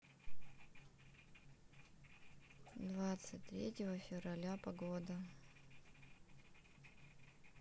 двадцать третьего февраля погода